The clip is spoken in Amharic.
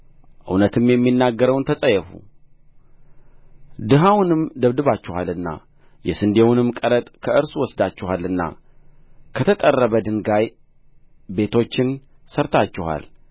እውነትም የሚናገረውን ተጸየፉ ድሀውንም ደብድባችኋልና የስንዴውንም ቀረጥ ከእርሱ ወስዳችኋልና ከተጠረበ ድንጋይ ቤቶችን ሠርታችኋል